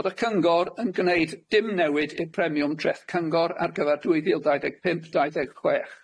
Bod y Cyngor yn gwneud dim newid i'r premiwm dreth Cyngor ar gyfer dwy fil dau ddeg pump dau ddeg chwech.